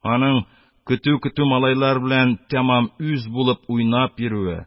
Аның көтү-көтү малайлар белән тәмам үз булып уйнап йөрүе,